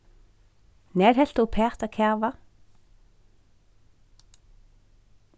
nær helt uppat at kava